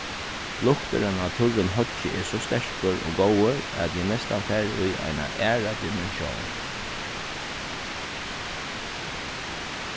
lukturin á turrum hoyggi er so sterkur og góður at eg næstan fari í eina aðra dimensjón